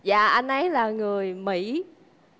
dạ anh ấy là người mỹ